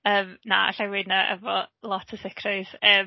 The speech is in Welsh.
Yym na alla i weud 'na efo lot o sicrwydd yym...